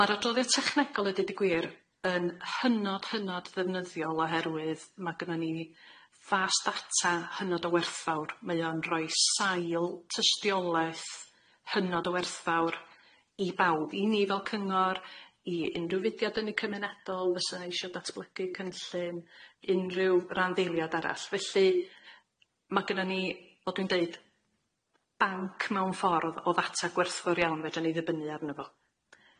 Ma'r adroddiad technegol i deud y gwir yn hynod hynod ddefnyddiol oherwydd ma' gynno ni fas data hynod o werthfawr, mae o'n roi sail tystiolaeth hynod o werthfawr i bawb, i ni fel cyngor, i unrhyw fudiad yn y cymunedol fysa eisio datblygu cynllun, unrhyw randdeiliad arall, felly, ma' gynnon ni, fel dwi'n deud, banc mewn ffordd o ddata gwerthfawr iawn fedran ni ddibynnu arno fo.